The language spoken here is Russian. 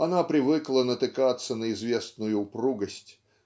она привыкла натыкаться на известную упругость